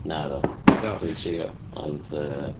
Naddo... Iawn. ...Dwi'n trio ond yy...